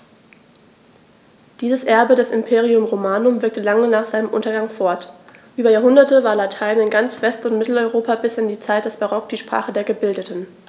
Dieses Erbe des Imperium Romanum wirkte lange nach seinem Untergang fort: Über Jahrhunderte war Latein in ganz West- und Mitteleuropa bis in die Zeit des Barock die Sprache der Gebildeten.